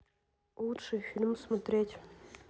лучшие фильмы смотреть